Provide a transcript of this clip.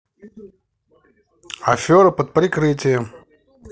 афера под прикрытием